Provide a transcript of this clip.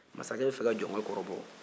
masakɛ be fɛ ka jɔnkɛ kɔrɔbɔ